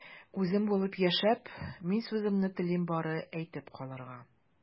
Үзем булып яшәп, мин сүземне телим бары әйтеп калырга...